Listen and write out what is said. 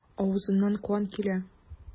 Авызыннан кан килә.